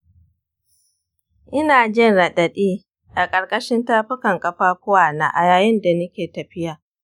ina jin raɗaɗi a ƙarƙashin tafukan ƙafafuwana a yayin da nike tafiya.